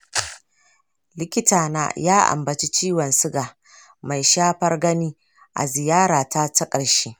likitana ya ambaci ciwon suga mai shafar gani a ziyarata ta ƙarshe.